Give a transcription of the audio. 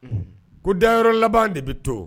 Ko dayɔrɔ laban de bɛ to